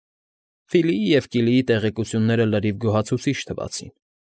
Ֆիլիի ու Կիլիի տեղեկությունները լրիվ գոհացուցիչ թվացին։